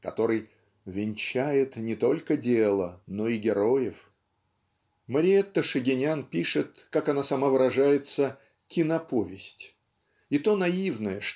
который "венчает не только дело но и героев". Мариэтта Шагинян пишет как она сама выражается "киноповесть" и то наивное